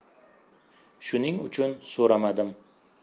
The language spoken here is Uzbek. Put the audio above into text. shuning uchun so'ramadim